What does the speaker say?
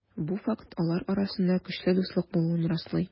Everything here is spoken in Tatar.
Бу факт алар арасында көчле дуслык булуын раслый.